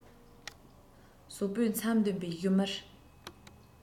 ཟོག པོའི མཚམ འདོན པའི བཞུ མར